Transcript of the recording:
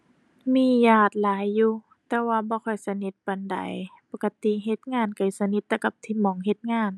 มีญาติหลายอยู่แต่ว่าบ่ค่อยสนิทปานใด ปกติเฮ็ดงานก็สนิทแต่กับที่หม้องเฮ็ดงาน